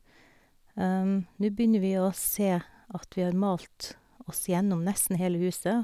Nu begynner vi å se at vi har malt oss gjennom nesten hele huset.